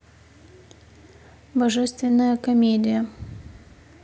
божественная комедия